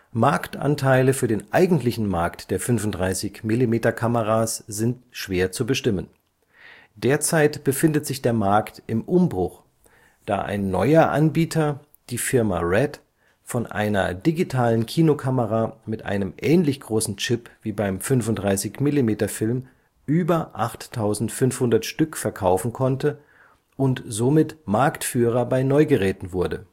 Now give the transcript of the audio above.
Marktanteile für den eigentlichen Markt der 35-mm-Kameras sind schwer zu bestimmen. Derzeit befindet sich der Markt im Umbruch, da ein neuer Anbieter, die Firma RED, von einer digitalen Kinokamera mit einem ähnlich großen Chip wie beim 35-mm-Film über 8500 Stück verkaufen konnte und somit Marktführer bei Neugeräten wurde